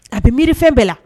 A bɛ miirifɛn bɛɛ la